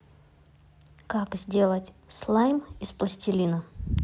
как сделать слайм из пластилина